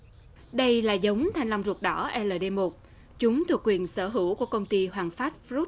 đây là giống thanh long ruột đỏ e lờ đê một chúng thuộc quyền sở hữu của công ty hoàng phát phờ rút